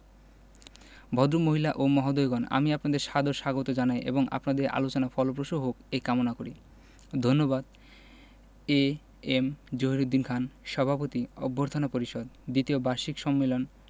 ভদ্রমহিলা ও মহোদয়গণ আমি আপনাদের সাদর স্বাগত জানাই এবং আপনাদের আলোচনা ফলপ্রসূ হোক এ কামনা করি ধন্যবাদ এ এম জহিরুদ্দিন খান সভাপতি অভ্যর্থনা পরিষদ দ্বিতীয় বার্ষিক সম্মেলন